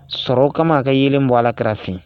Sɔrɔ kama a ka yelen bɔ Alakira fɛ yen.